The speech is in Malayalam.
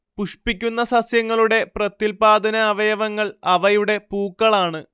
പുഷ്പിക്കുന്ന സസ്യങ്ങളുടെ പ്രത്യുല്പാദനാവയവങ്ങൾ അവയുടെ പൂക്കളാണ്